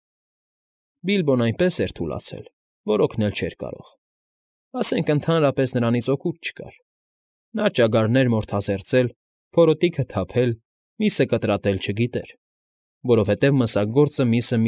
Բիլբոն այնպես էր թուլացել, որ օգնել չէր կարող, ասենք ընդհանրապես նրանից օգուտ չկար. նա ճագարներ մորթազերծել, փորոտիքը թափել, միսը կտրատել չգիտեր, որովհետև մսագործը միսը։